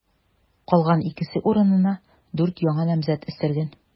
Калган икесе урынына дүрт яңа намзәт өстәлгән.